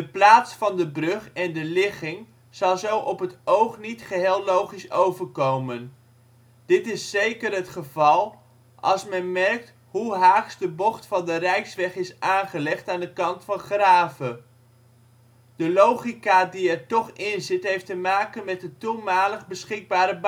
plaats van de brug en de ligging zal zo op het oog niet geheel logisch overkomen. Dit is zeker het geval als men merkt hoe haaks de bocht van de rijksweg is aangelegd aan de kant van Grave. De logica die er toch inzit heeft te maken met de toenmalig beschikbare